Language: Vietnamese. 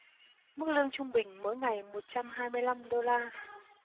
mức lương trung bình mỗi ngày một trăm hai mươi lăm đô la